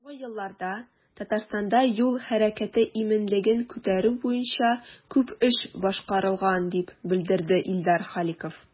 Соңгы елларда Татарстанда юл хәрәкәте иминлеген күтәрү буенча күп эш башкарылган, дип белдерде Илдар Халиков.